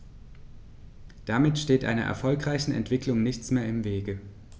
Damit steht einer erfolgreichen Entwicklung nichts mehr im Wege.